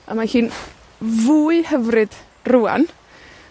A mae hi'n fwy hyfryd rŵan.